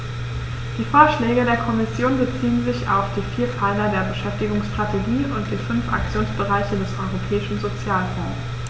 Die Vorschläge der Kommission beziehen sich auf die vier Pfeiler der Beschäftigungsstrategie und die fünf Aktionsbereiche des Europäischen Sozialfonds.